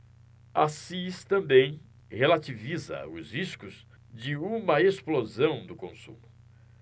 assis também relativiza os riscos de uma explosão do consumo